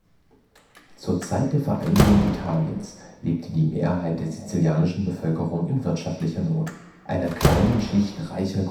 Zur Zeit der Vereinigung Italiens lebte die Mehrheit der sizilianischen Bevölkerung in wirtschaftlicher Not. Einer kleinen Schicht reicher